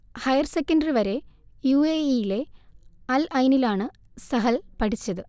higher secondary വരെ U A E യിലെ അൽ ഐനിലാണു സഹൽ പഠിച്ചത്